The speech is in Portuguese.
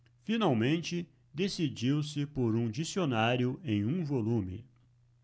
finalmente decidiu-se por um dicionário em um volume